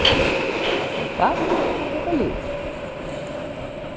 at fáa eitt barn kann broyta lívið